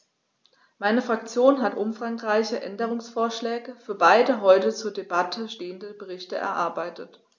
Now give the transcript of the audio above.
Meine Fraktion hat umfangreiche Änderungsvorschläge für beide heute zur Debatte stehenden Berichte erarbeitet.